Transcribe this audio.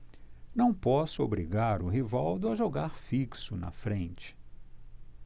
não posso obrigar o rivaldo a jogar fixo na frente